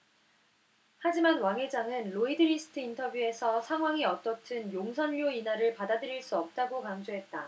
하지만 왕 회장은 로이드리스트 인터뷰에서 상황이 어떻든 용선료 인하를 받아들일 수 없다고 강조했다